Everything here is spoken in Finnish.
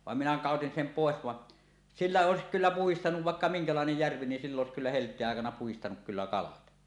vaan minä kadotin sen pois vaan sillä olisi kyllä puhdistanut vaikka minkälainen järvi niin - sillä olisi kyllä helteen aikana puhdistanut kyllä kalat